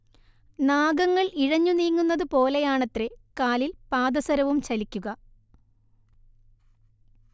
നാഗങ്ങൾ ഇഴഞ്ഞുനീങ്ങുന്നത് പോലെയാണത്രെ കാലിൽ പാദസരവും ചലിക്കുക